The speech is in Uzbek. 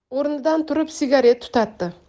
o'rnidan turib sigaret tutatdi